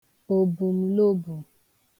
òbùm̀lobù